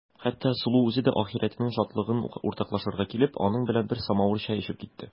Хәтта Сылу үзе дә ахирәтенең шатлыгын уртаклашырга килеп, аның белән бер самавыр чәй эчеп китте.